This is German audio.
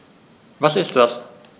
Was ist das?